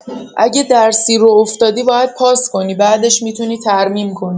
اگه درسی رو افتادی باید پاس کنی بعدش می‌تونی ترمیم کنی